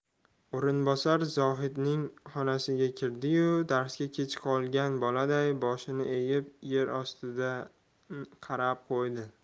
o'rinbosar zohidning xonasiga kirdiyu darsga kech qolgan boladay boshini egib yer ostidan qarab qo'ydi